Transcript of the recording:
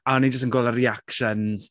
a o'n ni jyst yn gweld y reactions...